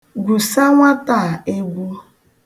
Gwusa nwata a egwu.